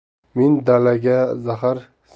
men dalaga zahar